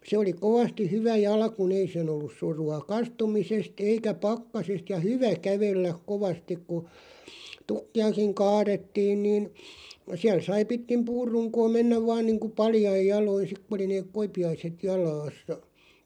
se oli kovasti hyvä jalkuin ei sen ollut surua kastumisesta eikä pakkasesta ja hyvä kävellä kovasti kun tukkejakin kaadettiin niin siellä sai pitkin puunrunkoa mennä vain niin kuin paljain jaloin sitten kun oli ne koipiaiset jalassa